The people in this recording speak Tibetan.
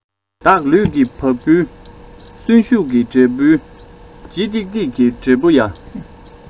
བདག ལུས ཀྱི བ སྤུའི གསོན ཤུགས ཀྱི འབྲས བུའི ལྗིད ཏིག ཏིག གི འབྲས བུ ཡ